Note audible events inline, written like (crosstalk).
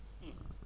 (hesitation) (hesitation)